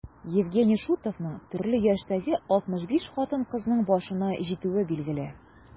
Евгений Шутовның төрле яшьтәге 65 хатын-кызның башына җитүе билгеле.